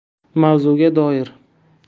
mavzuga doir